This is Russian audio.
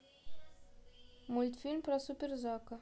мультфильм про суперзака